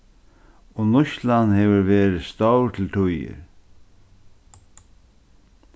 og nýtslan hevur verið stór til tíðir